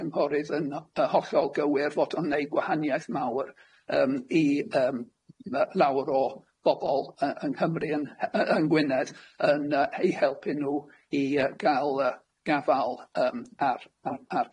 cynghorydd yn o- yy hollol gywir fod yn neud gwahaniaeth mawr yym i yym ma- lawer o bobol yy yng Nghymru yn yy yng Gwynedd yn yy i helpu nw i yy ga'l yy y gafal yym ar ar ar